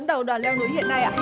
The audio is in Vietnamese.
đầu đoàn leo núi hiện nay ạ